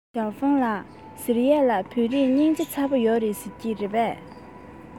ཞའོ ཧྥུང ལགས ཟེར ཡས ལ བོད རིགས སྙིང རྗེ ཚ པོ ཡོད རེད ཟེར གྱིས རེད པས